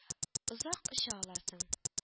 Озак оча аласың